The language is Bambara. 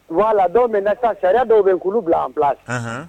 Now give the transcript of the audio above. Voila donc maintenant sisan sariya dow be ye k'olu bila en place anhan.